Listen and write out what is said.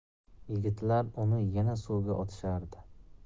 yigitlar uni yana suvga otishardi